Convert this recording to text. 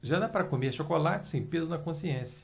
já dá para comer chocolate sem peso na consciência